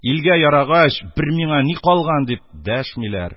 Илгә ярагач, бер миңа ни калган!» — дип, дәшмиләр,